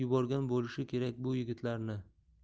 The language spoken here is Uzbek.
yuborgan bo'lishi kerak bu yigitlarni